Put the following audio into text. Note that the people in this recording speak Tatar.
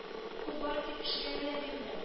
Ул бары тик кешегә генә бирелә